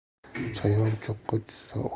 chayon cho'qqa tushsa